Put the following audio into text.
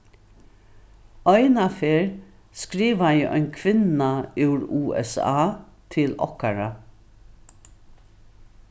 einaferð skrivaði ein kvinna úr usa til okkara